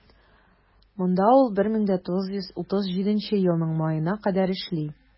Монда ул 1937 елның маена кадәр эшли.